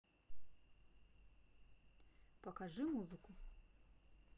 покажи музыку